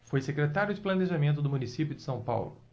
foi secretário de planejamento do município de são paulo